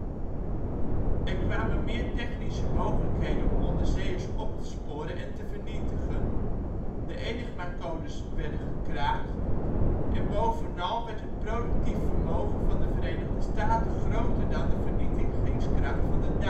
kwamen meer technische mogelijkheden om onderzeeërs op te sporen en te vernietigen, de Enigmacodes werden gekraakt, en bovenal werd het productief vermogen van de Verenigde Staten groter dan de vernietigingskracht van de Duitsers